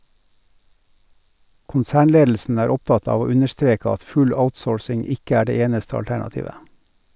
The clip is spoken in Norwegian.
Konsernledelsen er opptatt av å understreke at full outsourcing ikke er det eneste alternativet.